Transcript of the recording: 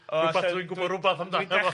...rwbath dwi'n gwbo rwbath amdano fo.